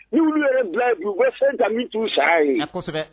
Ni ye olu yɛrɛ bila yen bi, u bɛ fɛn ta min t'u sara ye, kosɛbɛ!